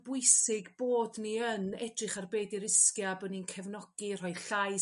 bwysig bod ni yn edrych ar be 'di risgiau' bo' ni'n cefnogi rhoi llais